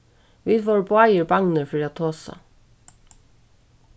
vit vóru báðir bangnir fyri at tosa